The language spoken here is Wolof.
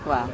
waa